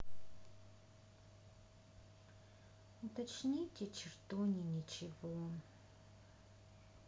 утоните чертони ничего